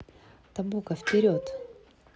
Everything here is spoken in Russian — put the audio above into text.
tabuko вперед